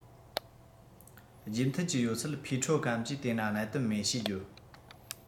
རྗེས མཐུད ཀྱི ཡོད ཚད ཕུས ཁྲོ གམ གྱིས དེ ན གནད དོན མེད ཞེས བརྗོད